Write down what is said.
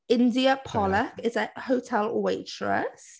India Pollack is a hotel waitress.